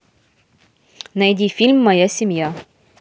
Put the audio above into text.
найди фильм моя семья